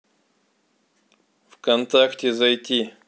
в контакте зайти